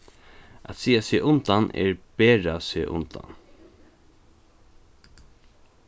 at siga seg undan er bera seg undan